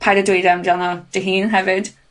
paid â dweud amdano dy hun hefyd.